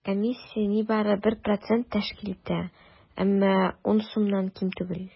Комиссия нибары 1 процент тәшкил итә, әмма 10 сумнан ким түгел.